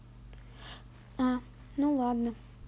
а ну ладно